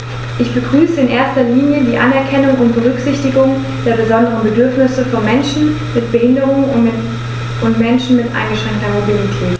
Ich begrüße in erster Linie die Anerkennung und Berücksichtigung der besonderen Bedürfnisse von Menschen mit Behinderung und Menschen mit eingeschränkter Mobilität.